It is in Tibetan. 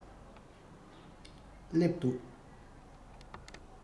སླེབས འདུག